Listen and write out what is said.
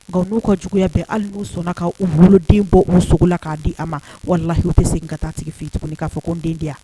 Nka n'u ka juguya bɛn hali n' sɔnna ka u boloden bɔ u sogo la k'a di a ma walahi tɛ se ka taa tigi fi tuguni k'a fɔ ko n den diya